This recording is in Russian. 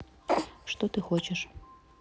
что ты хочешь